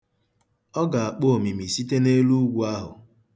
Ọ ga-akpọ omimi site n'elu ugwu ahụ.